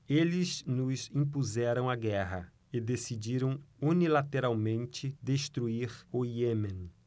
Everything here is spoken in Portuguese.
eles nos impuseram a guerra e decidiram unilateralmente destruir o iêmen